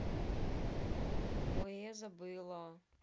ой а я забыла